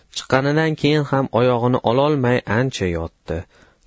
chiqqanidan keyin ham o'ng oyog'ini ololmay ancha yotdi